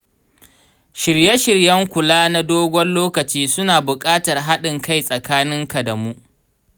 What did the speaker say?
shirye-shiryen kula na dogon lokaci suna bukatar haɗin kai tsakanin ka da mu.